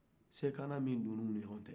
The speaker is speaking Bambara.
kalenkan min donn'u ni ɲɔgɔn cɛ